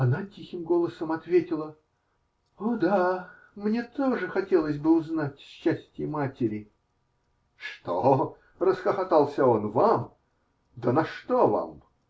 Она тихим голосом ответила: -- О да, мне тоже хотелось бы узнать счастье матери! -- Что-о-о?! -- расхохотался он. -- Вам? Да на что вам?